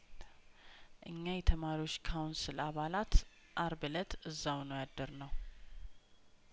እኛ የተማሪዎች ካውንስል አባላት አርብ እለት እዛው ነው ያደር ነው